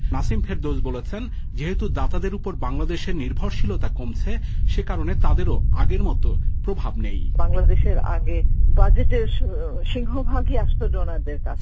নাসিম ফেরদৌস বলেছেন যেহেতু দাতাদের উপর বাংলাদেশ নির্ভরশীলতা কমছে যে কারণে তাদের ও আগের মত প্রভাব নেই বাংলাদেশ আগের বাজেটের সিংহভাগই আসতো ডোনারদের কাছ